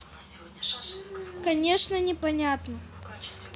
конечно непонятно